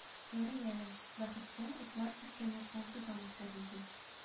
Ярый әле, бәхеткә, атлар киткән яктан тузан күтәрелде.